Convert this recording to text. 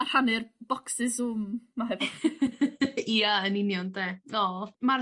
a rhannu'r bocsys Zoom 'ma hefo chdi. Ia yn union 'de oh ma'r